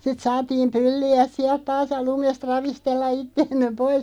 sitten saatiin pylliä sieltä taas ja lumesta ravistella itseämme pois